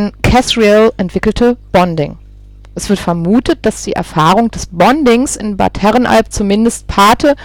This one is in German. Casriel entwickelte Bonding. Es wird vermutet, dass die Erfahrung des Bondings in Bad Herrenalb zumindest " Pate